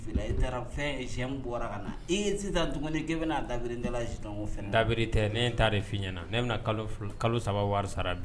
E taara fɛnyɛn bɔra ka na e ye sisan tuguni e bɛna dabiri dala dabiri tɛ ne n ta fi ɲɛna na ne bɛna kalo kalo saba wari sara bi